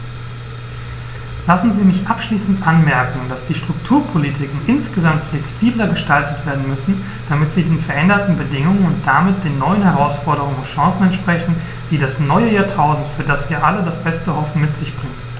Lassen Sie mich abschließend anmerken, dass die Strukturpolitiken insgesamt flexibler gestaltet werden müssen, damit sie den veränderten Bedingungen und damit den neuen Herausforderungen und Chancen entsprechen, die das neue Jahrtausend, für das wir alle das Beste hoffen, mit sich bringt.